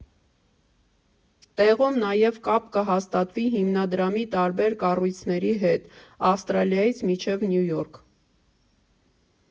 Տեղում նաև կապ կհաստատվի հիմնադրամի տարբեր կառույցների հետ՝ Ավստրալիայից մինչև Նյու Յորք։